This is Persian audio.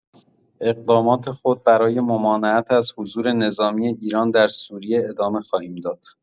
اقدامات خود برای ممانعت از حضور نظامی ایران در سوریه ادامه خواهیم داد.